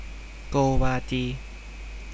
โกวาจี